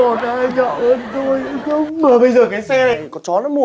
còn ai nhọ hơn tôi nữa không mà bây giờ cái xe này thì có chó nó mua